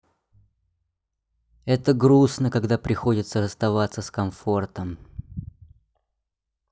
это грустно когда приходится расставаться с комфортом